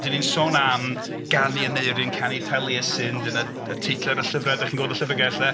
Dan ni'n sôn am ganu Aneurin, canu Taliesin. Dyna y teitlau ar y llyfrau dach chi'n gweld yn y llyfyrgell de.